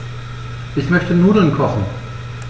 Ich möchte Nudeln kochen.